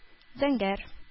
Зәңгәр